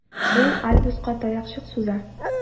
Ул Альбуска таякчык суза.